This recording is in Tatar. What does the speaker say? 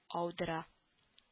Аудыра